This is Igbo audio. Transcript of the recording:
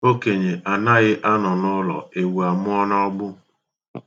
Okenye anaghị anọ n'ụlọ ewu amụọ n'ọgbụ.